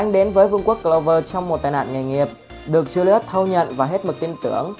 anh đến với vương quốc clover trong tai nạn nghề nghiệp được julius thâu nhận và hết mực tin tưởng